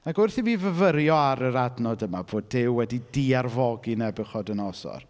Ac wrth i mi fyfyrio ar yr adnod yma, fod Duw wedi di-arfogi Nebiwchodynosor.